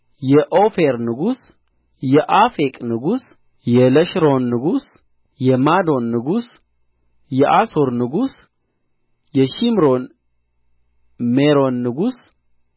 የኦፌር ንጉሥ የአፌቅ ንጉሥ የለሸሮን ንጉሥ የማዶን ንጉሥ የአሶር ንጉሥ የሺምሮን ሚሮን ንጉሥ